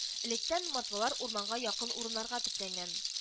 Электән мордвалар урманга якын урыннарга төпләнгән